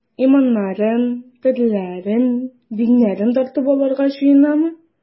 Иманнарын, телләрен, диннәрен тартып алырга җыенамы?